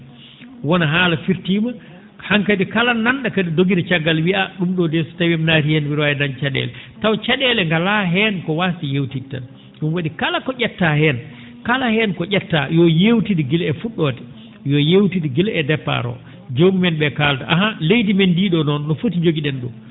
wona haala firtiima han kadi kala nan?o kadi dogira caggal wiya a ?um ?o de so tawii mi naatii heen mbi?a waawi dañde heen ca?eele taw ca?eele ngalaa heen ko waasde yewtidde tan ?um wa?i kala ko ?ettaa heen kala heen ko ?eftaa yo yeewtide gila e fu??oode yo yeewtide gila e départ o jomumen ?e kaalda ahan leydi men ndii ?o noon no foti njogi?en ?um